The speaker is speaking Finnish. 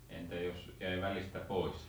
entä jos jäi välistä pois